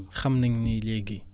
xam nañ ni léegi nawet